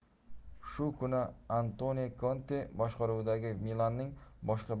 shu kuni antonio konte boshqaruvidagi milanning boshqa